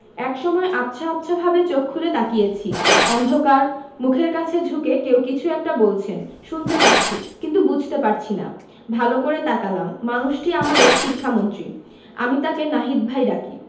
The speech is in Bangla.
একসময় আবছা আবছাভাবে চোখ খুলে তাকিয়েছি অন্ধকার মুখের কাছে ঝুঁকে কেউ কিছু একটা বলছেন শুনতে পাচ্ছি কিন্তু বুঝতে পারছি না ভালো করে তাকালাম মানুষটি আমাদের শিক্ষামন্ত্রী আমি তাকে নাহিদ ভাই ডাকি